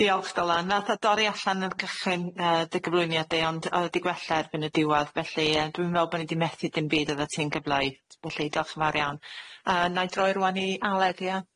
Diolch Dylan nath o dorri allan yn cychwyn yy dy gyflwyniad di ond o'dd di gwella erbyn y diwadd felly yy dwi'n me'wl bo' ni di methu dim byd odda ti'n gyfleu, felly diolch yn fawr iawn yy nai droi rŵan i Aled ia?